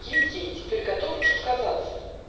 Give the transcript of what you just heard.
ей-ей Теперь готов уж отказаться.